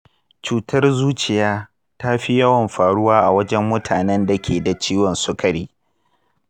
cutar zuciya ta fi yawan faruwa a wajen mutanen da ke da ciwon sukari